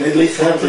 Cenedlaehau, ia